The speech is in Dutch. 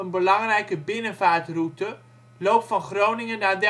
belangrijke binnenvaartroute, loopt van Groningen naar